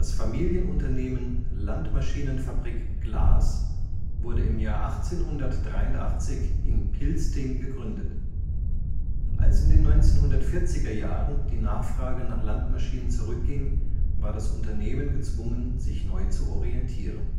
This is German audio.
Familienunternehmen Landmaschinenfabrik Glas wurde 1883 in Pilsting gegründet. Als in den 1940er Jahren die Nachfrage nach Landmaschinen zurückging, war das Unternehmen gezwungen, sich neu zu orientieren